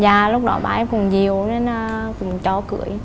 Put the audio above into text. dạ lúc đó ba em còn dịu nên là cũng cho cưới